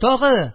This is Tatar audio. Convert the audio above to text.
Тагы!